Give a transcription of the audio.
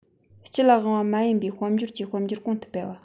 སྤྱི ལ དབང བ མ ཡིན པའི དཔལ འབྱོར གྱིས དཔལ འབྱོར གོང དུ སྤེལ བ